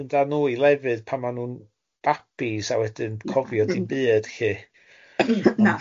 ...mynd a nhw i lefydd pan ma' nhw'n babis a wedyn cofio dim byd lly. Na.